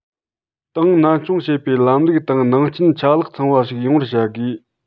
ཏང ནན སྐྱོང བྱེད པའི ལམ ལུགས དང ནང རྐྱེན ཆ ལག ཚང བ ཞིག ཡོང བར བྱ དགོས